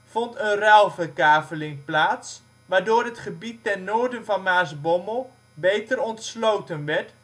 vond een ruilverkaveling plaats waardoor het gebied ten noorden van Maasbommel beter ontsloten werd